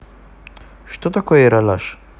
что такое ералаш